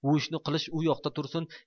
bu ishni qilish u yoqda tursin